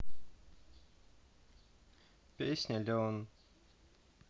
песня learn